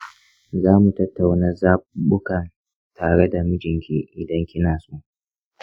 za mu tattauna zaɓuɓɓukan tare da mijinki idan kina so.